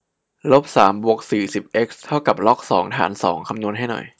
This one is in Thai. ลบสามบวกสี่สิบเอ็กซ์เท่ากับล็อกสองฐานสองคำนวณให้หน่อย